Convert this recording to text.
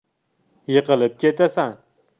yiqilib ketasan